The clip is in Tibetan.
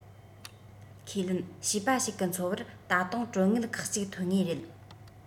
ཁས ལེན བྱིས པ ཞིག གི འཚོ བར ད དུང གྲོན དངུལ ཁག གཅིག འཐོན ངེས རེད